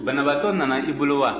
banabaatɔ nana i bolo wa